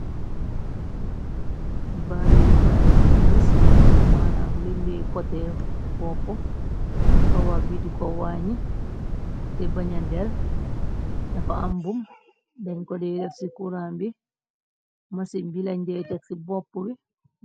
Barbaykayngayis manam liñdee kote bopp kawar bi di ko waññi te baña del dafa ambum dañ ko dey ref ci kuram bi masim bi lañdey tex ci boppo .